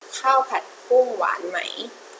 ข้าวผัดกุ้งหวานไหม